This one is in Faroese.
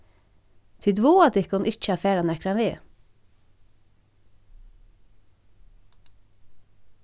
tit vága tykkum ikki at fara nakran veg